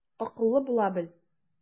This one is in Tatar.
Акыллы була бел.